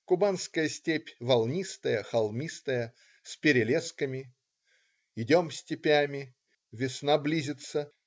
Кубанская степь волнистая, холмистая, с перелесками. Идем степями. Весна близится.